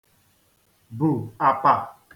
bù àpà